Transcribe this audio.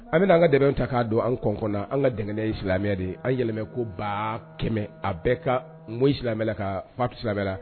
An bɛna an ka dɛmɛw ta k'a don an kɔnkɔn, an ka dɛngɛniya ye silamɛya de ye. An yɛlɛma ko 100 000 a bɛ ka mɔn in silamɛya la ka faatu silamɛya la.